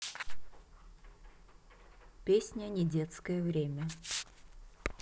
песня недетское время